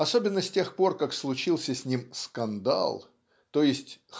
Особенно с тех пор, как случился с ним "скандал , т. е.